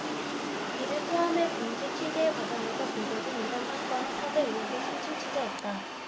이를 포함해 본지 취재 과정에서 불거진 이번 사건의 사 대 의혹을 심층 취재했다